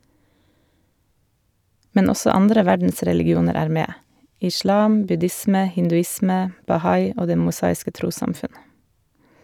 Men også andre verdensreligioner er med - islam, buddhisme, hinduisme, bahai og det mosaiske trossamfunn.